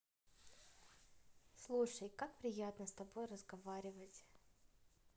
слушай как приятно с тобой разговаривать